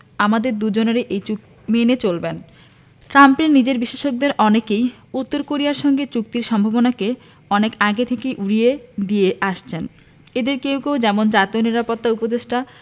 আমাদের দুজনের এই চুক্তি মেনে চলবেন ট্রাম্পের নিজের বিশেষজ্ঞদের অনেকেই উত্তর কোরিয়ার সঙ্গে চুক্তির সম্ভাবনাকে অনেক আগে থেকেই উড়িয়ে দিয়ে আসছেন এঁদের কেউ কেউ যেমন জাতীয় নিরাপত্তা উপদেষ্টা